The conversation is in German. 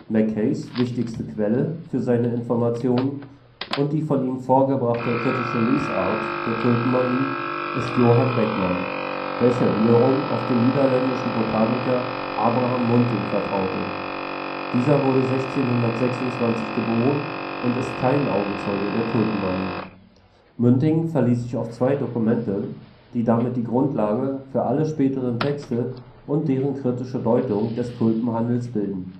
Mackays wichtigste Quelle für seine Informationen und die von ihm vorgebrachte kritische Lesart der Tulpenmanie ist Johann Beckmann, welcher wiederum auf den niederländischen Botaniker Abraham Munting vertraute. Dieser wurde 1626 geboren und ist kein Augenzeuge der Tulpenmanie. Munting verließ sich auf zwei Dokumente, die damit die Grundlage für alle späteren Texte und deren kritischen Deutung des Tulpenhandels bilden